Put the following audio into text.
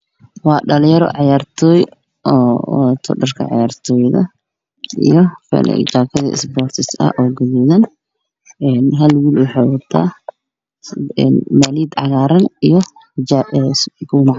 Halkaan waxaa ka muuqdo shan dhalinyaro ah afar kamid ah waxay qabaan jaakad guduud ah hal kamid ah wuxuu qabaa fanaand jaalo ah